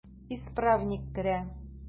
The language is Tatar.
Исправник керә.